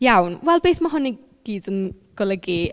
Iawn. Wel beth ma' hwn i gyd yn golygu?